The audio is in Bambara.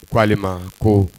O k'ale ma ko